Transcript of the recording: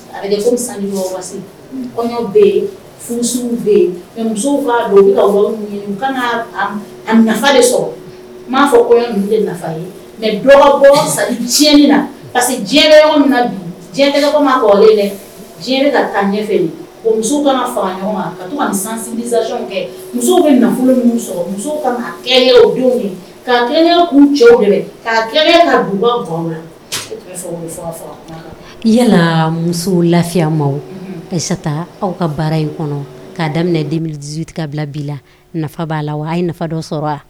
Bɛ bɛ yen n fɔfɛ muso bɛ nafolo yala muso lafiya ma taa aw ka baara in kɔnɔ kaa daminɛti bila bi la nafa b'a la wa a ye nafa dɔ sɔrɔ